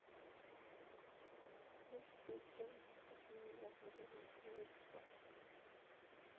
слышь ты челси почему нельзя смотреть не человечества